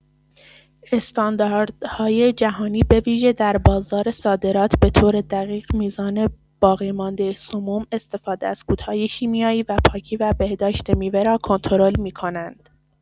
استانداردهای جهانی به‌ویژه در بازار صادرات به‌طور دقیق میزان باقی‌مانده سموم، استفاده از کودهای شیمیایی و پاکی و بهداشت میوه را کنترل می‌کنند.